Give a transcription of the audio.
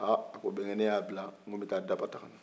a a ko bɛnkɛ ne y'a bila ko nbe taa daba ta kana